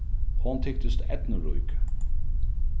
hon tyktist eydnurík